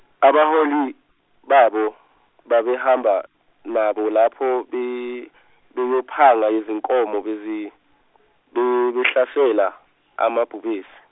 abaholi babo, babehamba nabo lapho be- babephanga izinkomo, bezi- be- bahlasela amabhubesi.